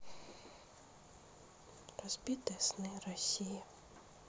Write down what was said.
разбитые сны россия